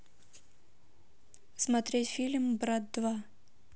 смотреть фильм брат два